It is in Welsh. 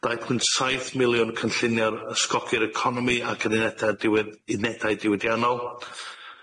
Dau pwynt saith miliwn cynllunio'r ysgogi'r economi ac unedau diwed- unedau diwydiannol.